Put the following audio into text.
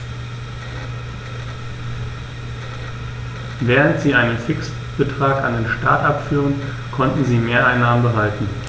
Während sie einen Fixbetrag an den Staat abführten, konnten sie Mehreinnahmen behalten.